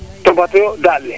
topatu yo daand le